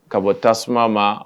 Ka bɔ tasuma ma